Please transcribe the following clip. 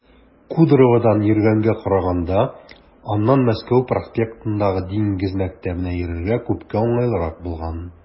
Кудроводан йөргәнгә караганда аннан Мәскәү проспектындагы Диңгез мәктәбенә йөрергә күпкә уңайлырак булган.